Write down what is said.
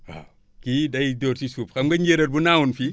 waaw kii day dóor si suuf xam nga njéeréer bu naawoon fii